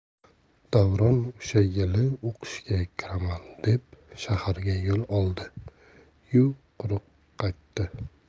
davron o'sha yili o'qishga kiraman deb shaharga yo'l oldi yu quruq qaytdi